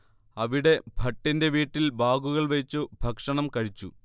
അവിടെ ഭട്ടിന്റെ വീട്ടിൽ ബാഗുകൾ വെയ്ച്ചു ഭക്ഷണം കഴിച്ചു